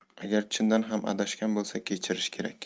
agar chindan ham adashgan bo'lsa kechirish kerak